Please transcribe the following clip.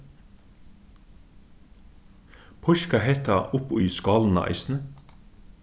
píska hetta upp í skálina eisini